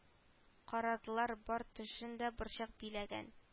Карадылар бар төшен дә борчак биләгән